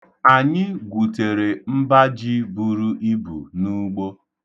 Anyị gwutere mba ji buru ibu n'ugbo.